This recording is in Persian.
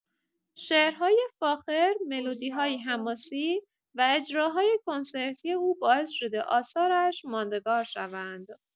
شعرهای فاخر، ملودی‌های حماسی و اجراهای کنسرتی او باعث شده آثارش ماندگار شوند.